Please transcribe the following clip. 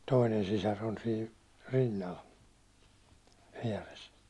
toinen sisar on siinä rinnalla vieressä